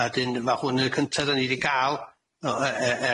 A 'dyn ma' hwn yn y cynta 'dan ni 'di ga'l yy yy